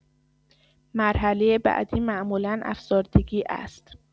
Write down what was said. مرحله بعدی معمولا افسردگی است.